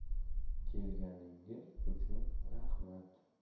kelganingiz uchun rahmat